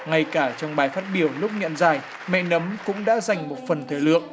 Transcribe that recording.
ngay cả trong bài phát biểu lúc nhận giải mẹ nấm cũng đã dành một phần thời lượng